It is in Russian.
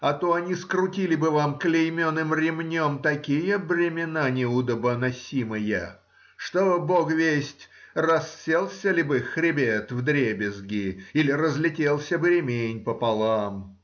А то они скрутили бы вам клейменым ремнем такие бремена неудобоносимые, что бог весть, расселся ли бы хребет вдребезги или разлетелся бы ремень пополам